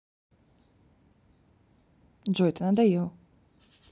джой ты надоел